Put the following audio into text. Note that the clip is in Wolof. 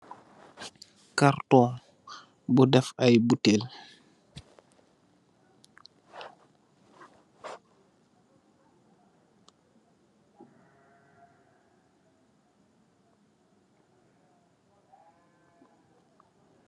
Kartung bu dèf ay butèèl.